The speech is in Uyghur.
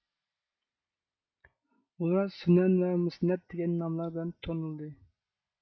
ئۇلار سۈنەن ۋە مۇسنەد دىگەن ناملار بىلەن تونۇلدى